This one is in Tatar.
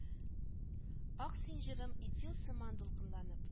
Ак син, җырым, Этил сыман дулкынланып